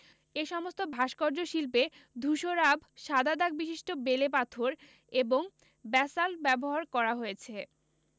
এ সমস্ত ভাস্কর্য শিল্পে ধূসরাভ সাদা দাগ বিশিষ্ট বেলে পাথর এবং ব্যাসাল্ট ব্যবহার করা হয়েছে